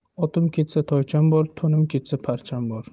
otim ketsa toycham bor to'nim ketsa parcham bor